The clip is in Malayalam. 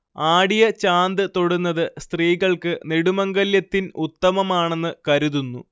ആടിയ ചാന്ത് തൊടുന്നത് സ്ത്രീകൾക്ക് നെടുമംഗല്യത്തിൻ ഉത്തമമാണെന്ന് കരുതുന്നു